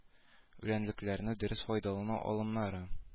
Гүләнлекләрне дөрес файдалану алымнары